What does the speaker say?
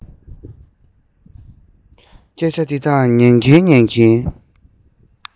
སྐད ཆ འདི དག ཉན གྱིན ཉན གྱིན